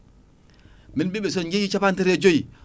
min mbiɓe son jeeyi capantati e joyyi